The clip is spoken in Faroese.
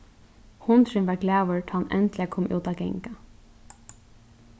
hundurin varð glaður tá hann endiliga kom út at ganga